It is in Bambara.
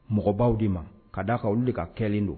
Mɔgɔ baw de ma ka d d'a kan olu de ka